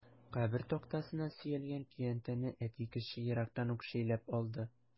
Кабер тактасына сөялгән көянтәне әти кеше ерактан ук шәйләп алды.